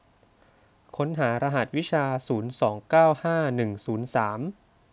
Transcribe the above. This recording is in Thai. ค้นหารหัสวิชาศูนย์สองเก้าห้าหนึ่งศูนย์สาม